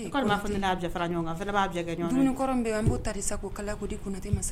Ko'a ne'ara ɲɔgɔn kan fana b'a ɲɔgɔn kɔrɔ in bɛ n' ta sa ko kala di kun tɛ